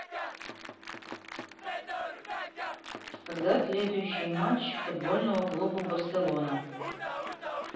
когда следующий матч футбольного клуба барселона